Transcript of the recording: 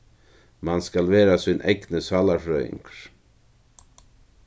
mann skal vera sín egni sálarfrøðingur